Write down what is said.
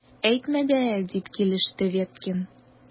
Әйтмә дә! - дип килеште Веткин.